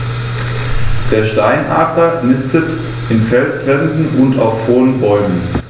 Der Steinadler nistet in Felswänden und auf hohen Bäumen.